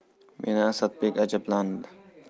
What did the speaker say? meni asadbek ajablandi